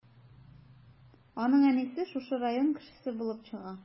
Аның әнисе шушы район кешесе булып чыга.